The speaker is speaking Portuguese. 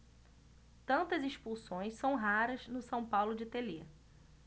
tantas expulsões são raras no são paulo de telê